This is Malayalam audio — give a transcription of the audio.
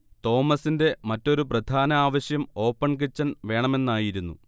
തോമസിന്റെ മറ്റൊരു പ്രധാന ആവശ്യം ഓപ്പൺ കിച്ചൺ വേണമെന്നായിരുന്നു